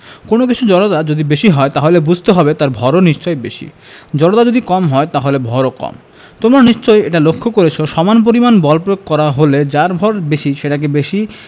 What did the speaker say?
কোনো কিছুর জড়তা যদি বেশি হয় তাহলে বুঝতে হবে তার ভরও নিশ্চয়ই বেশি জড়তা যদি কম হয় তাহলে ভরও কম তোমরা নিশ্চয়ই এটা লক্ষ করেছ সমান পরিমাণ বল প্রয়োগ করা হলে যার ভর বেশি সেটাকে বেশি